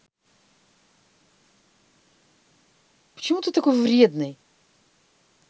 почему ты такой вредный